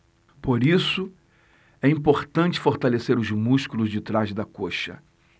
por isso é importante fortalecer os músculos de trás da coxa